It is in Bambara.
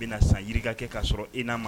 N bɛna na san ika kɛ k'a sɔrɔ e'a ma